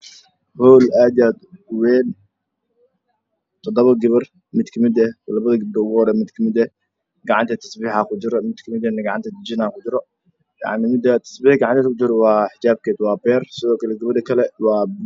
Waa hawl waxaa fadhiya gabdho waxay wataan u soo horeyso xijaab qaxwi ama orange mida ka kale xijaab madow faraantii ayaa ugu jiro